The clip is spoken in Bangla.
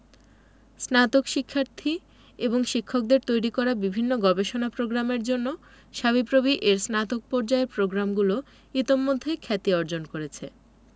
স্নাতক শিক্ষার্থী এবং শিক্ষকদের তৈরি করা বিভিন্ন গবেষণা প্রোগ্রামের জন্য সাবিপ্রবি এর স্নাতক পর্যায়ের প্রগ্রামগুলি ইতোমধ্যে খ্যাতি অর্জন করেছে